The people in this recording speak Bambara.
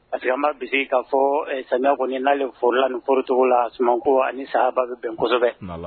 Paseke anba bisimila k kaa fɔ sami n'ale foro la niorocogo la suman ko aniba bɛn kosɛbɛ